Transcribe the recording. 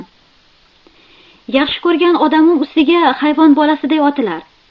yaxshi ko'rgan odamim ustiga hayvon bolasiday otilar